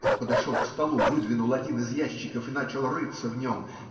Он подошел к столу, выдвинул один из ящиков и начал рыться в нем.